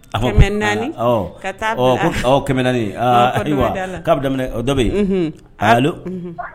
A ko naani ɔ kɛmɛ naaniani hali k'a bɛ o dɔ bɛ yen